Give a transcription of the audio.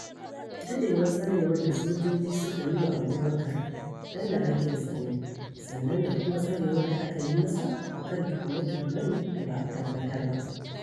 Daɗewar tsarewar da sojoji suka yi wa Abubakar danne haƙƙinsa ne, sannan da kuma tsarewar da aka yi masa a kan tuhume-tuhumen da ba a tabbatar ba.